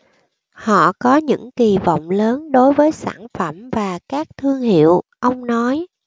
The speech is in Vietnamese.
họ có những kỳ vọng lớn đối với sản phẩm và các thương hiệu ông nói